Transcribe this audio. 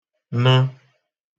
nə̣